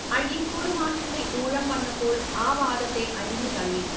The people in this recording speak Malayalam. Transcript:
അഴീക്കോട് മാഷിന്റെ ഊഴം വന്നപ്പോൾ ആ വാദത്തെ അരിഞ്ഞുതള്ളി